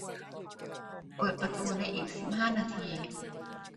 เปิดประตูในอีกสิบห้านาที